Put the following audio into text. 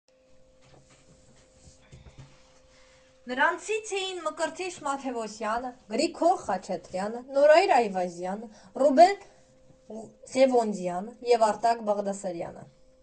Նրանցից էին Մկրտիչ Մաթևոսյանը, Գրիգոր Խաչատրյանը, Նորայր Այվազյանը, Ռուբեն Ղևոնդյանը և Արտակ Բաղդասարյանը։